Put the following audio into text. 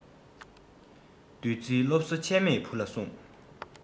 བདུད རྩིའི སློབ གསོ ཆད མེད བུ ལ གསུང